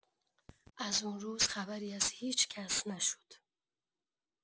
ازون روز خبری از هیچکس نشد.